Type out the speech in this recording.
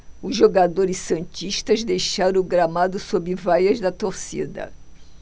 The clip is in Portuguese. os jogadores santistas deixaram o gramado sob vaias da torcida